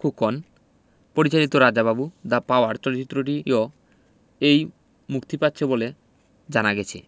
খোকন পরিচালিত Raja Babu the power চলচ্চিত্রটিও এই মুক্তি পাচ্ছে বলে জানা গেছে